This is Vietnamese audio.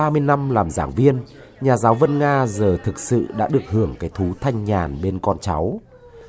ba mươi năm làm giảng viên nhà giáo vân nga giờ thực sự đã được hưởng cái thú thanh nhàn bên con cháu